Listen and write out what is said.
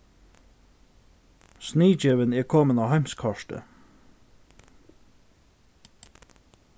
sniðgevin er komin á heimskortið